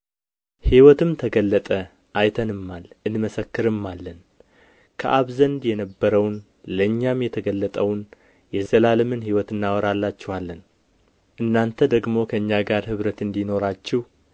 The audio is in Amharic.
ሕይወትም ተገለጠ አይተንማል እንመሰክርማለን ከአብ ዘንድ የነበረውንም ለእኛም የተገለጠውን የዘላለምን ሕይወት እናወራላችኋለን እናንተ ደግሞ ከእኛ ጋር ኅብረት እንዲኖራችሁ